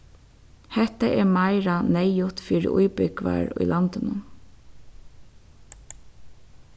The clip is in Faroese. hetta er meira neyðugt fyri íbúgvar í landinum